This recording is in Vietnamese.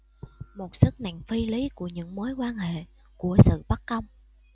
một sức nặng phi lý của những mối quan hệ của sự bất công